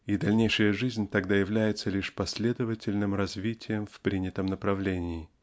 и дальнейшая жизнь тогда является лишь последовательным развитием в принятом направлении.